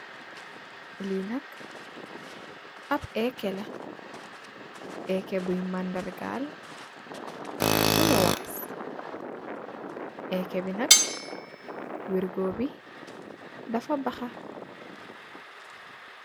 Lii nak, ab ekke la, ekke buy mandargal, bonowaas. Ekke bi nak, wergoo bi, dafa baxa.